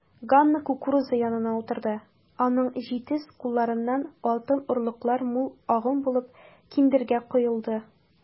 Ганна кукуруза янына утырды, аның җитез кулларыннан алтын орлыклар мул агым булып киндергә коелды.